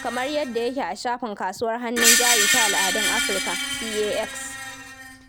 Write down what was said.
kamar yadda yake a shafin Kasuwar Hannun Jari ta al'adun Afirka (CAX).